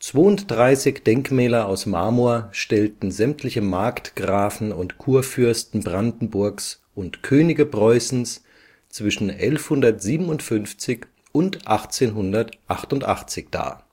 32 Denkmäler aus Marmor stellten sämtliche Markgrafen und Kurfürsten Brandenburgs und Könige Preußens zwischen 1157 und 1888 dar.